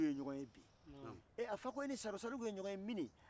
o kama an ka den cogo don